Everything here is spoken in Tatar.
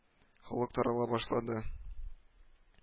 Халык тарала башлады